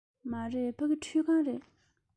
མ རེད ཕ གི ཁྲུད ཁང རེད